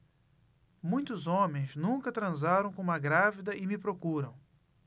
muitos homens nunca transaram com uma grávida e me procuram